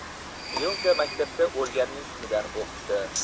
lyonka maktabda o'lganning kunidan o'qibdi